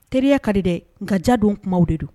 Teriya ka di dɛ nka jadon kuma de don